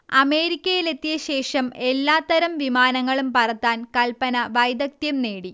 അമേരിക്കയിലെത്തിയ ശേഷം എല്ലാത്തരം വിമാനങ്ങളും പറത്താൻ കൽപന വൈദഗ്ധ്യം നേടി